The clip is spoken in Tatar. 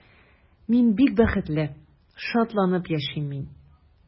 Мин бик бәхетле, шатланып яшим мин.